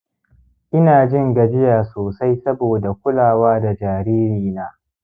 inajin gajiya sosai saboda kulawa da jariri na